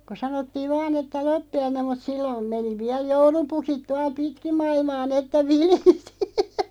kun sanottiin vain että loppiainen mutta silloin meni vielä joulupukit tuolla pitkin maailmaa niin että vilisi